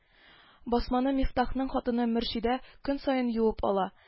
Басманы Мифтахның хатыны Мөршидә көн саен юып ала